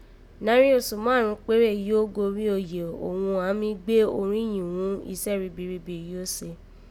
Nàárín osù márùn ún kpéré yìí ó gòrígho òye òghun àán be mi gbóríyìn ghun ghún isẹ́ ribiribi yìí gho se